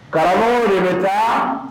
Karamɔgɔ yɛrɛ ta